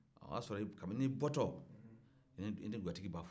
a y'a sɔrɔ kabin'i bɔtɔ i ni g atigi b'a fɔ